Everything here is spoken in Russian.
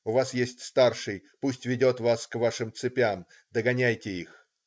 У вас есть старший, пусть ведет вас к вашим цепям. Догоняйте их".